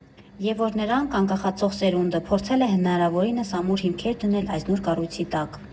Եվ որ նրանք՝ անկախացող սերունդը, փորձել է հնարավորինս ամուր հիմքեր դնել այս նոր կառույցի տակ։